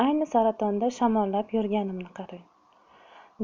ayni saratonda shamollab yurganimni qarang